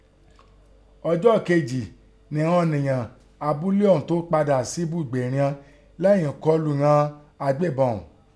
Ọjọ́ kejì nìghọn ọ̀nìyàn abúlé ọ̀ún tó padà sí ibùgbé righọn lêyìn ìkọlù ìghọn agbébọn ọ̀ún.